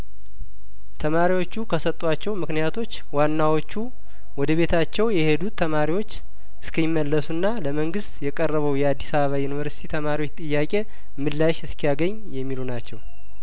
ተማሪዎቹ ከሰጧቸውምክንያቶች ዋናዎቹ ወደ ቤታቸው የሄዱት ተማሪዎች እስኪ መለሱና ለመንግስት የቀረበው የአዲስ አበባ ዩኒቨርስቲ ተማሪዎች ጥያቄ ምላሽ እስኪያገኝ የሚሉ ናቸው